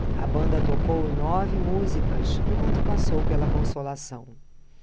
a banda tocou nove músicas enquanto passou pela consolação